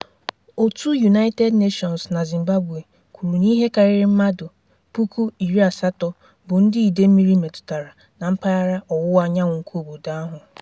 Òtù United Nations na Zimbabwe kwuru na ihe karịrị mmadụ 8,000 bụ ndị ide mmiri metụtara na mpaghara ọwụwaanyanwụ nke obodo ahụ.